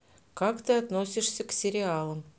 как ты относишься к сериалам